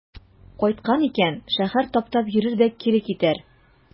Кайткан икән, шәһәр таптап йөрер дә кире китәр.